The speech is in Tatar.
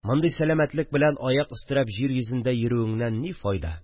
Мондый сәләмәтлек белән аяк өстерәп җир йөзендә йөрүеннән ни файда